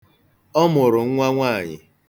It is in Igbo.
Ọ mụrụ nwa nwaanyị